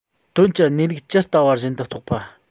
དོན གྱི གནས ལུགས ཇི ལྟ བ བཞིན དུ རྟོགས པ